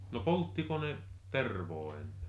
no polttiko ne tervaa ennen